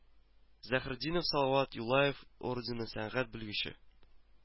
Заһретдинов Салават Юлаев ордены, сәнгать белгече